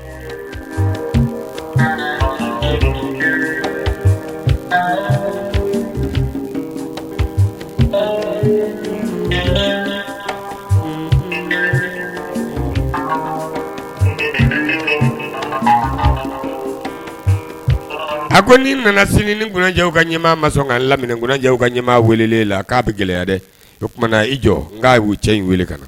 A ko n'i nana sini ni ko jaw ka ɲɛ ma sɔn ka lamini jaw ka ɲama weele k'a bɛ gɛlɛya dɛ o tumana i jɔ n'a ye'u cɛ in weele ka na